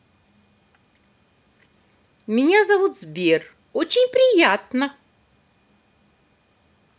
меня зовут сбер очень приятно